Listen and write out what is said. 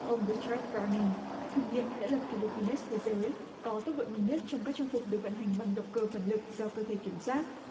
ông bích chét bờ rao ninh thử nghiệm đã lập kỷ lục ghi nét thế giới có tốc độ nhanh nhất trong các trang phục được vận hành bằng động cơ phản lực do cơ thể kiểm soát